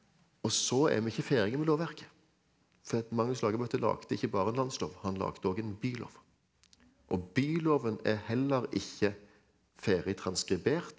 og så er vi ikke ferdige med lovverket fordi at Magnus Lagabøte lagde ikke bare en landslov, han lagde òg en bylov, og Byloven er heller ikke ferdig transkribert.